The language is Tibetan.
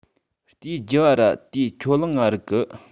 དེའི རྒྱུ བ ར ཏིས ཆོ ལང ང རིག གི